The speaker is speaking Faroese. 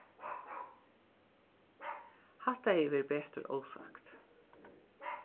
hatta hevði verið betur ósagt